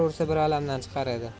ursa bir alamdan chiqar edi